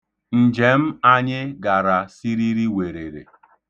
Njem anyị gara siririwerere.